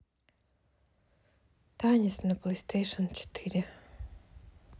танец на плейстейшн четыре